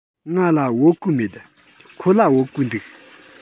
ང ལ བོད གོས མེད ཁོ ལ བོད གོས འདུག